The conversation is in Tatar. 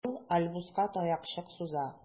Ул Альбуска таякчык суза.